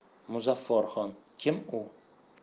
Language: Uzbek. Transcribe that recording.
muzaffarxon kim u